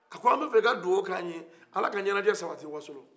ko anw bɛ fɛ i ka dugaw kɛ anw ye ko ala ka ɲinajɛ sabati wasolo